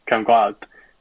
...cefn gwlad